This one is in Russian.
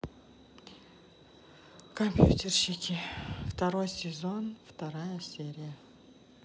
компьютерщики второй сезон вторая серия